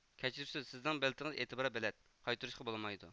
كەچۈرسىز سىزنىڭ بېلىتىڭىز ئېتىبار بېلەت قايتۇرۇشقا بولمايدۇ